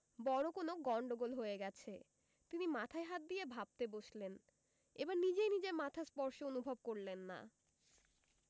বড় কোনো গন্ডগোল হয়ে গেছে তিনি মাথায় হাত দিয়ে ভাবতে বসলেন এবার নিজেই নিজের মাথার স্পর্শ অনুভব করলেন না